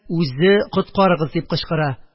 Үзе «коткарыгыз!» дип кычкыра.